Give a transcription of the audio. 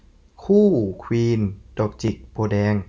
คู่ควีนดอกจิกโพธิ์แดง